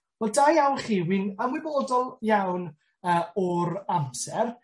Wel da iawn chi. Wi'n ymwybodol iawn yy o'r amser.